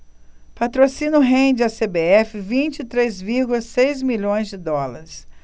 patrocínio rende à cbf vinte e três vírgula seis milhões de dólares